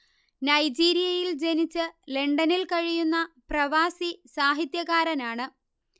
നൈജീരിയയിൽ ജനിച്ച് ലണ്ടനിൽ കഴിയുന്ന പ്രവാസി സാഹിത്യകാരനാണ്